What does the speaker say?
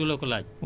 huit cent mille